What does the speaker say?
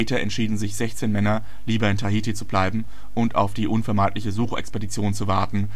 entschieden sich sechzehn Männer, lieber in Tahiti zu bleiben und auf die unvermeidliche Suchexpedition zu warten